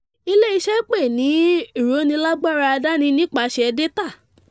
Ilé iṣẹ́ pè ní “Ìrónilágbára àdáni nípaṣẹ̀ dátà.”